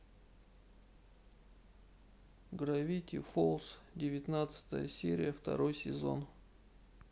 гравити фолз девятнадцатая серия второй сезон